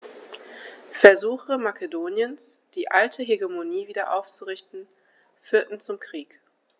Versuche Makedoniens, die alte Hegemonie wieder aufzurichten, führten zum Krieg.